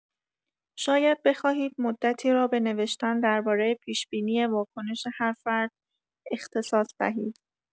شاید بخواهید مدتی را به نوشتن درباره پیش‌بینی واکنش هر فرد اختصاص دهید.